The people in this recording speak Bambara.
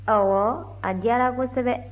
ɔwɔ a diyara kosɛbɛ